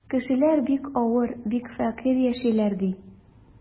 Кешеләр бик авыр, бик фәкыйрь яшиләр, ди.